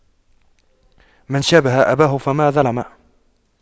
من شابه أباه فما ظلم